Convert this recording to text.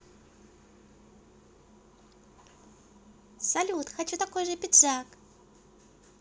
салют хочу такой же пиджак